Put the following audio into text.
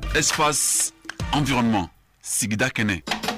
Esfa an dɔrɔn sigida kɛnɛ